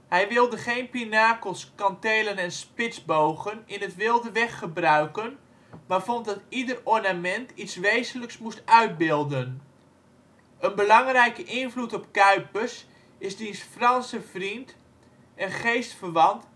Hij wilde geen pinakels, kantelen en spitsbogen in het wilde weg gebruiken, maar vond dat ieder ornament iets wezenlijks moest uitbeelden. Een belangrijke invloed op Cuypers is diens Franse vriend en geestverwant